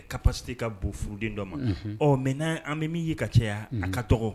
Ka pasi ka bon furuden dɔ ma ɔ mɛ n'a an bɛ min ye ka caya a ka tɔgɔ